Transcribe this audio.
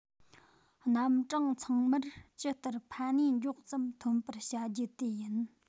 རྣམ གྲངས ཚང མར ཇི ལྟར ཕན ནུས མགྱོགས ཙམ ཐོན པར བྱ རྒྱུ དེ ཡིན